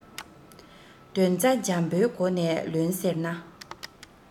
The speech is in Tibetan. དོན རྩ འཇམ པོའི སྒོ ནས ལོན ཟེར ན